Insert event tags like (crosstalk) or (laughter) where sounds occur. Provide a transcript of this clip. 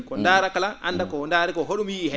(smacks lips) ko ndaara kala annda (smacks lips) ko ndaari ko ho?um yiyi heen